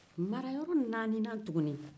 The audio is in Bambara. marayɔrɔ naani nan tuguni